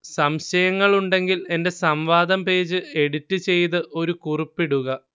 സംശയങ്ങൾ ഉണ്ടെങ്കിൽ എന്റെ സംവാദം പേജ് എഡിറ്റ് ചെയ്ത് ഒരു കുറിപ്പിടുക